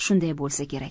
shunday bo'lsa kerak